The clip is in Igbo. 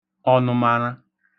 ọnụmaṙa